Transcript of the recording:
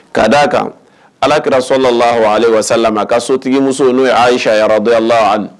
Ka d a kan ala kɛrara so dɔ la o ale wa ka sotigimuso n' ye ayisa yɔrɔ dɔ la